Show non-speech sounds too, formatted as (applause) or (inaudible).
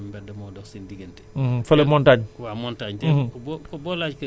donc (hesitation) moom ak agriculture foog naa ne benn mbedd moo dox seen diggante